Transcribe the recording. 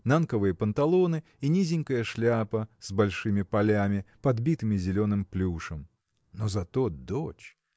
нанковые панталоны и низенькая шляпа с большими полями подбитыми зеленым плюшем. Но зато дочь!